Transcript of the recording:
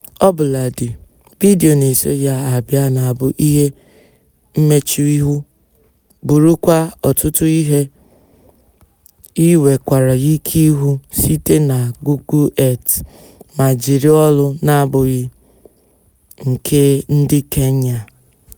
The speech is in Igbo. Ọbụladị vidiyo na-eso ya abịa na-abụ ihe mmechuihu: bụrụkwa ọtụtụ ihe i nwekwara ike ịhụ site na Google Earth, ma jiri olu na-abụghị nke ndị Kenya.